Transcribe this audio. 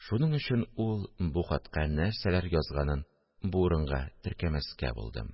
Шуның өчен ул бу хатка нәрсәләр язганын бу урынга теркәмәскә булдым